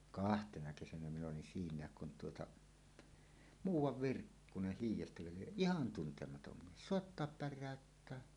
kahtena kesänä minä olin siinäkin kun tuota muuan Virkkunen hiidestäkö lie ihan tuntematon mies soittaa päräyttää